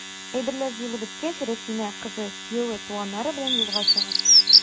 Әйберләр җыелып беткәч, Рәсимә, кызы, кияве, туганнары белән юлга чыга.